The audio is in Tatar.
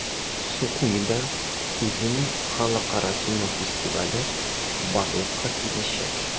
Сухумида үзенең халыкара кино фестивале барлыкка киләчәк.